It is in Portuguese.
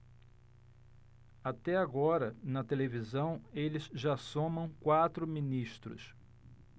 até agora na televisão eles já somam quatro ministros